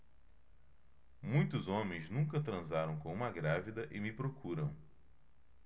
muitos homens nunca transaram com uma grávida e me procuram